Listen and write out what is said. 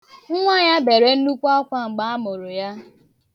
Nwa ya bere nnukwu akwa mgbe a mụrụ ya.